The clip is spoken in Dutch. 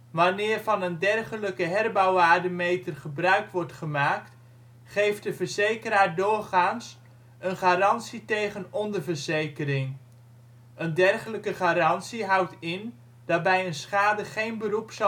Wanneer van een dergelijke herbouwwaardemeter gebruik wordt gemaakt, geeft de verzekeraar doorgaans een ‘garantie tegen onderverzekering’. Een dergelijke garantie houdt in dat bij een schade geen beroep